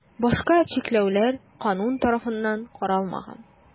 Башка чикләүләр канун тарафыннан каралмаган.